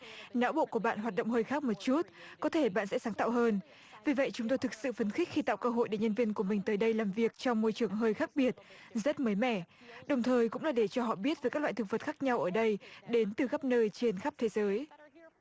não bộ của bạn hoạt động hơi khác một chút có thể bạn sẽ sáng tạo hơn vì vậy chúng tôi thực sự phấn khích khi tạo cơ hội để nhân viên của mình tới đây làm việc trong môi trường hơi khác biệt rất mới mẻ đồng thời cũng là để cho họ biết về các loại thực vật khác nhau ở đây đến từ khắp nơi trên khắp thế giới